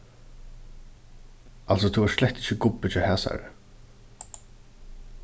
altso tú er slett ikki gubbi hjá hasari